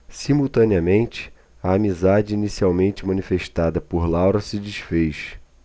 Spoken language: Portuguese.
simultaneamente a amizade inicialmente manifestada por laura se disfez